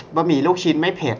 บะหมี่ลูกชิ้นไม่เผ็ด